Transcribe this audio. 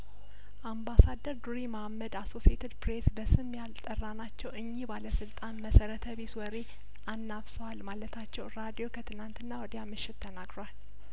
አምባሳደር ዱሪ መሀመድ አሶሴትድ ፕሬስ በስም ያልጠራ ናቸው እኚህ ባለስልጣን መሰረተቢስ ወሬ አናፍሰዋል ማለታቸው ራዲዮው ከትላንትና ወዲያ ምሽት ተናግሯል